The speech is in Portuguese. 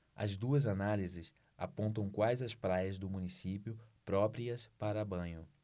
as duas análises apontam quais as praias do município próprias para banho